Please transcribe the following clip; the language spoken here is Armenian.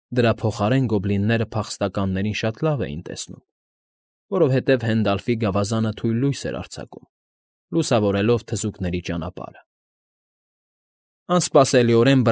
Դրա փոխարեն գոբլինները փախստականներին շատ լավ էին տեսնում, որովհետև Հենդալֆի գավազանը թույլ լույս էր արձակում, լուսավորելով թզուկների ճանապարհը։ անսպասելիորեն։